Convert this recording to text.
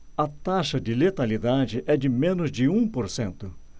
a taxa de letalidade é de menos de um por cento